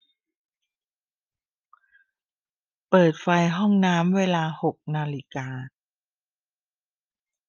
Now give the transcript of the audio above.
เปิดไฟห้องน้ำเวลาหกนาฬิกา